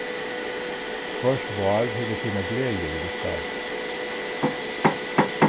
hvørt vár hevur sínar gleðir við sær